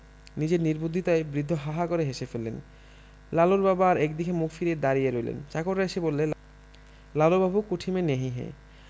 নিজের নির্বুদ্ধিতায় বৃদ্ধ হাঃ হাঃ করে হেসে ফেললেন লালুর বাবা আর একদিকে মুখ ফিরিয়ে দাঁড়িয়ে রইলেন চাকররা এসে বললে লালুবাবু কোঠি মে নহি হ্যায়